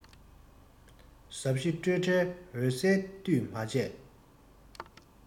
ཟབ ཞི སྤྲོས བྲལ འོད གསལ འདུས མ བྱས